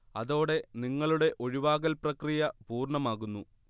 അതോടെ നിങ്ങളുടെ ഒഴിവാകൽ പ്രക്രിയ പൂർണ്ണമാകുന്നു